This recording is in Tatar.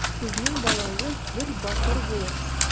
Сезнең балагыз бер батыр булыр.